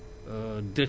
siège bi nag